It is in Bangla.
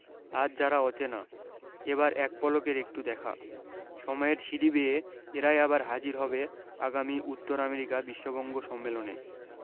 আজ যারা অচেনা এবার এক পলকের একটু দেখা সময়ের সিঁড়ি বেয়ে এরাই আবার হাজির হবে আগামী উত্তর আমেরিকা বিশ্ববঙ্গ সম্মেলনে